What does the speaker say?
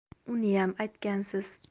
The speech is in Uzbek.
uniyam aytgansiz